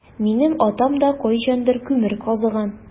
Минем атам да кайчандыр күмер казыган.